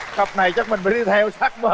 cặp này chắc mình phải đi theo chắc quá